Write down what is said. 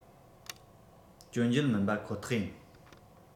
སྐྱོན བརྗོད མིན པ ཁོ ཐག ཡིན